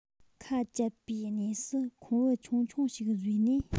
ཁ བཅད པའི གནས སུ ཁུང བུ ཆུང ཆུང ཞིག བཟོས ནས